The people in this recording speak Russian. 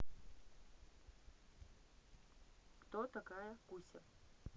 кто такая куся